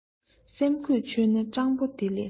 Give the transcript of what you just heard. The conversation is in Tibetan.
སེམས གོས ཆོད ན སྤྲང པོ དེ ལས ལྷག